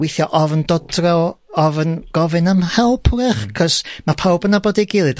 Weithio ofn d'od dwi feddwl ofyn gofyn am help wyrach, 'c'os ma' pawb yn nabod ei gilydd.